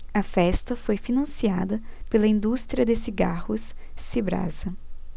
a festa foi financiada pela indústria de cigarros cibrasa